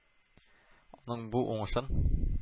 Аның бу уңышын